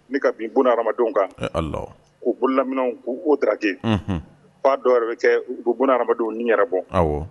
Nin ka bin bunadamadenw kan k'o bololaminɛ k'o darage f'a dɔw yɛrɛ bɛ kɛ ubɛɛ bunadamadenw ni yɛrɛ bɔ.